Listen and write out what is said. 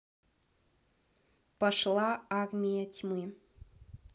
пошла армия тьмы